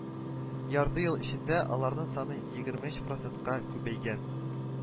Ярты ел эчендә аларның саны егерме өч процентка күбәйгән